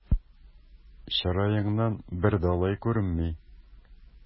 Чыраеңнан бер дә алай күренми!